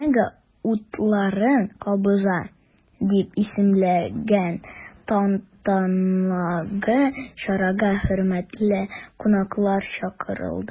“мега утларын кабыза” дип исемләнгән тантаналы чарага хөрмәтле кунаклар чакырылды.